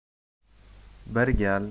bir gal toyni salkam yarim